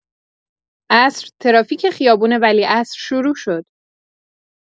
عصر، ترافیک خیابون ولیعصر شروع شد.